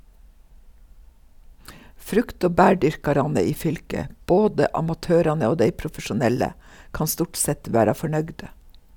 Frukt- og bærdyrkarane i fylket, både amatørane og dei profesjonelle, kan stort sett vera fornøgde.